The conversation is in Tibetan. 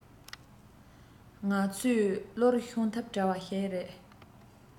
ང ཚོའི བློར ཤོང ཐབས བྲལ བ ཞིག རེད